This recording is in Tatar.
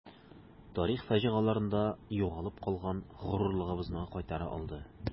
Тарих фаҗигаларында югалып калган горурлыгыбызны кайтара алды.